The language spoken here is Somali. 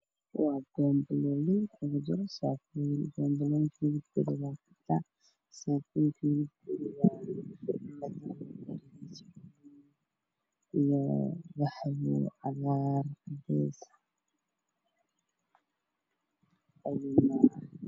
Waa banbalo waxaa ku jira saako pompela midabkiisa waa caddaan saakada midabkeedu waa madow